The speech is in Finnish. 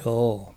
joo